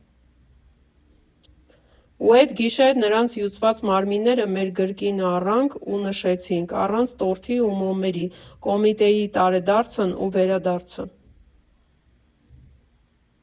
Ու Էդ գիշեր, նրանց հյուծված մարմինները մեր գիրկն առանք ու նշեցինք, առանց տորթի ու մոմերի, Կոմիտեի տարեդարձն ու վերադարձը։